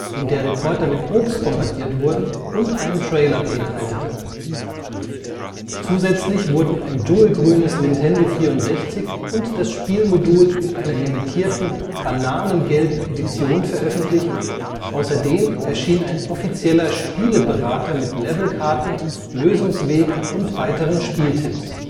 in der Reporter mit Obst bombardiert wurden, und einen Trailer beinhaltete. Zusätzlich wurden ein dschungelgrünes Nintendo 64 und das Spielmodul in einer limitierten bananengelben Edition veröffentlicht, außerdem erschien ein offizieller Spieleberater mit Levelkarten, Lösungsweg und weiteren Spieltipps